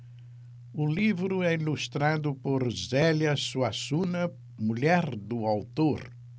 o livro é ilustrado por zélia suassuna mulher do autor